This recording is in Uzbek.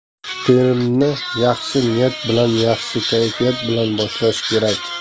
terimni yaxshi niyat bilan yaxshi kayfiyat bilan boshlash kerak